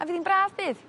a fydd 'i'n braf bydd?